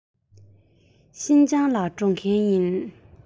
ཤིན ཅང ལ འགྲོ མཁན ཡིན